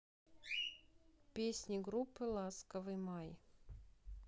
песни группы ласковый май